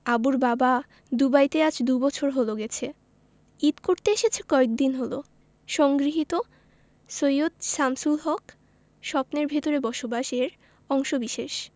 আবুর বাবা দুবাইতে আজ দুবছর হলো গেছে ঈদ করতে এসেছে কয়েকদিন হলো সংগৃহীত সৈয়দ শামসুল হক স্বপ্নের ভেতরে বসবাস এর অংশবিশেষ